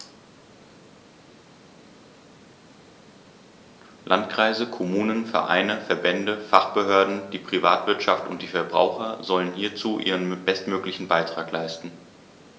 Landkreise, Kommunen, Vereine, Verbände, Fachbehörden, die Privatwirtschaft und die Verbraucher sollen hierzu ihren bestmöglichen Beitrag leisten.